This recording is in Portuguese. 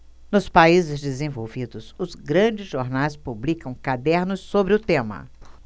nos países desenvolvidos os grandes jornais publicam cadernos sobre o tema